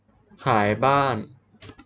ขายบ้าน